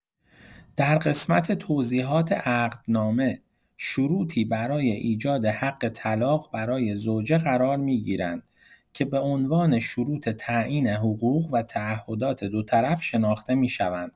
در قسمت توضیحات عقدنامه، شروطی برای ایجاد حق طلاق برای زوجه قرار می‌گیرند که به‌عنوان شروط تعیین حقوق و تعهدات دو طرف شناخته می‌شوند.